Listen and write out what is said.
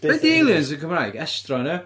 Be 'di aliens yn Gymraeg? Estron ia?